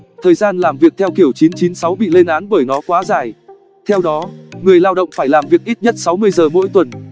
thời gian làm việc theo kiểu bị lên án bởi nó quá dài theo đó người lao động phải làm việc ít nhất giờ mỗi tuần